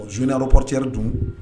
Zone aeroportère dun.